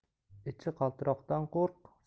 ichi qaltiroqdan qo'rq